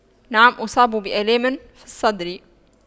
نعم اصاب بآلام في الصدر